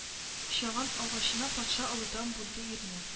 Чаган агачына патша олыдан бүлде ирне